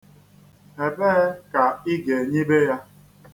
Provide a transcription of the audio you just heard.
Ebee ka ị ga-enyibe ya?